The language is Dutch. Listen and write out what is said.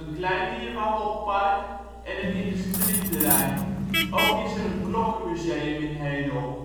kleindierwandelpark, en een industrieterrein (De Kampen). Ook is er een klokkenmuseum in Hedel